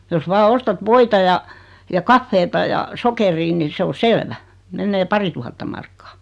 jos vain ostat voita ja ja kahvia ja sokeria niin se on selvä menee parituhatta markkaa